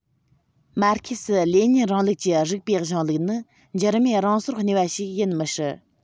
མར ཁེ སི ལེ ཉིན རིང ལུགས ཀྱི རིགས པའི གཞུང ལུགས ནི འགྱུར མེད རང སོར གནས པ ཞིག ཡིན མི སྲིད